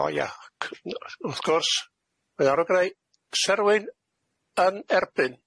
O ia c- n- wrth gwrs mae'n orfod gneu' 'sa rywun yn erbyn